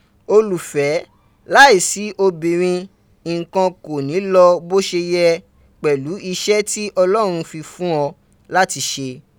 Olufe, laisi obinrin nkan ko ni lo bo se ye pelu ise ti Olorun fifun o lati se.